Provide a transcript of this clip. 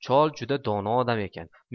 chol juda dono odam ekan